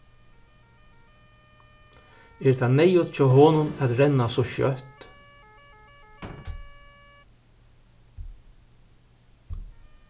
er tað neyðugt hjá honum at renna so skjótt